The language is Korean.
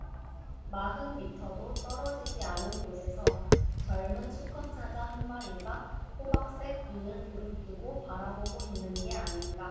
마흔 미터도 떨어지지 않은 곳에서 젊은 수컷 사자 한 마리가 호박색 눈을 부릅뜨고 바라보고 있는 게 아닌가